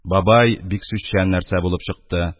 Бабай бик сүзчән нәрсә булып чыкты,